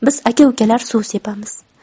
biz aka ukalar suv sepamiz